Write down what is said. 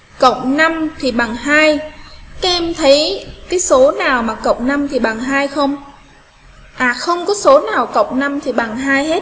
cổng thì bằng tìm thấy số nào mà cộng thì bằng mà không có số nào cộng thì bằng